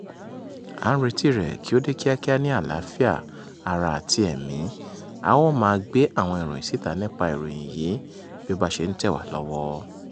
À ń retíi rẹ̀ kí ó dé kíákíá ní àlàáfíà ara àti ẹ̀mí, a ó máa gbé àwọn ìròyìn síta nípa ìròyìn yìí bí ó ba ṣe ń tẹ̀ wá lọ́wọ́.